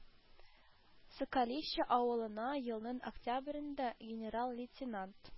Соколище авылына елның октябрендә генерал-лейтенант